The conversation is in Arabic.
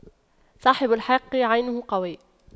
صاحب الحق عينه قوية